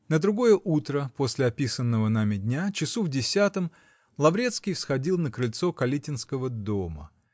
На другое утро, после описанного нами дня, часу в десятом, Лаврецкий всходил на крыльцо калитинского дома.